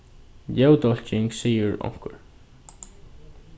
ljóðdálking sigur onkur